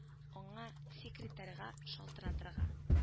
Аңа—секретарьга шалтыратырга